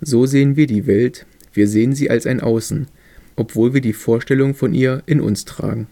So sehen wir die Welt, wir sehen sie als ein Außen, obwohl wir die Vorstellung von ihr in uns tragen.